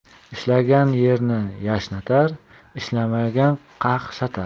ishlagan yerni yashnatar ishlamagan qaqshatar